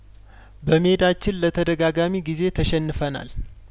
በሜዳችን ለተደጋጋሚ ጊዜ ተሸንፈናል